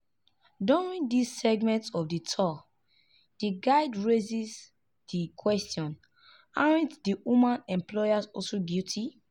During this segment of the tour, the guide raises the question: aren't the woman's employers also guilty?